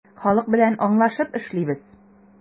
Халык белән аңлашып эшлибез.